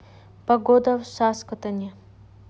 погода в саскотоне